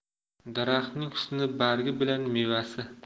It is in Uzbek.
daraxtning husni bargi bilan mevasi